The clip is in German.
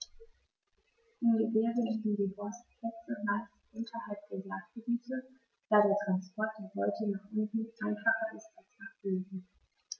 Im Gebirge liegen die Horstplätze meist unterhalb der Jagdgebiete, da der Transport der Beute nach unten einfacher ist als nach oben.